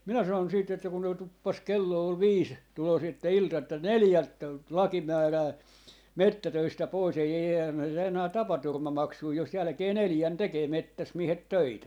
minä sanoin sitten että kun nuo tuppasi kello oli viisi tulossa että ilta että neljältä laki määrää metsätöistä pois ei eihän me saa enää tapaturmamaksuja jos jälkeen neljän tekee metsässä miehet töitä